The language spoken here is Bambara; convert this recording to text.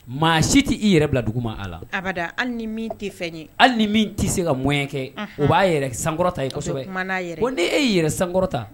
Maa si t tɛ i yɛrɛ bila dugu ma a la hali ni min tɛ fɛn ye hali ni min tɛ se ka mɔ kɛ o b'a yɛrɛ sankɔrɔta ye kosɛbɛ ko n' e yɛrɛ sankɔrɔta